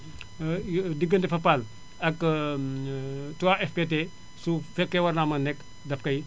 diggante Fapal ak 3FPT su fekkee war naa mën a nekk daf koy